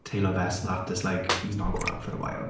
teilo fo so that there's like... he's not going out for a while.